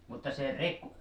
mutta se Reku